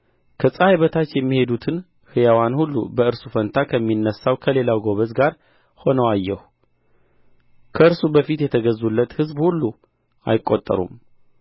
ከፀሐይ በታች የሚሄዱትን ሕያዋን ሁሉ በእርሱ ፋንታ ከሚነሣው ከሌላው ጎበዝ ጋር ሆነው አየሁ ከእርሱ በፊት የተገዙለት ሕዝብ ሁሉ አይቈጠሩም